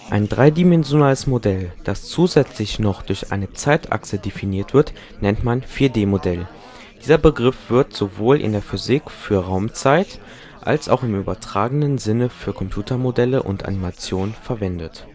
Ein dreidimensionales Modell, das zusätzlich noch durch eine Zeitachse definiert wird nennt man 4D-Modell. Dieser Begriff wird sowohl in der Physik für die Raumzeit, als auch im übertragenen Sinne für Computermodelle und Animationen verwendet